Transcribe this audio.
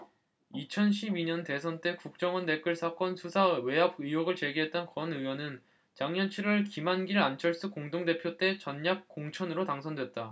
이천 십 이 년 대선 때 국정원 댓글 사건 수사 외압 의혹을 제기했던 권 의원은 작년 칠 월 김한길 안철수 공동대표 때 전략 공천으로 당선됐다